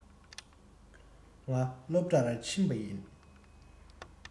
ང སློབ གྲྭར ཕྱིན པ ཡིན